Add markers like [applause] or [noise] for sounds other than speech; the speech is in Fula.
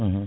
[hesitation] [hesitation]